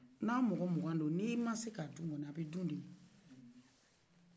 n'a mɔgɔ mugan do n'i ma ka doun kɔni a bɛ dun dewo